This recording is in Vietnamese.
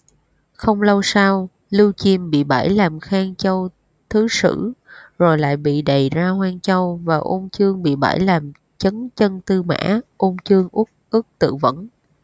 không lâu sau lưu chiêm bị bãi làm khang châu thứ sử rồi lại bị đày ra hoan châu và ôn chương bị bãi làm chấn chân tư mã ôn chương uất ức tự vẫn